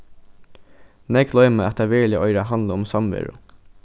nógv gloyma at tað veruliga eigur at handla um samveru